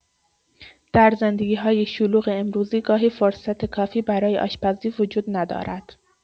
در زندگی‌های شلوغ امروزی گاهی فرصت کافی برای آشپزی وجود ندارد.